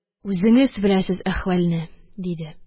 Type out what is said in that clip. Үзеңез беләсез әхвальне, – диде.